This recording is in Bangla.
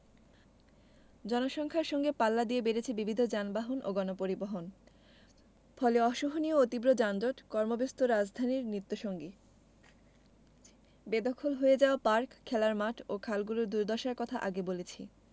জনসংখ্যার সঙ্গে পাল্লা দিয়ে বেড়েছে বিবিধ যানবাহন ও গণপরিবহন ফলে অসহনীয় ও তীব্র যানজট কর্মব্যস্ত রাজধানীর নিত্যসঙ্গী বেদখল হয়ে যাওয়া পার্ক খেলার মাঠ ও খালগুলোর দুর্দশার কথা আগে বলেছি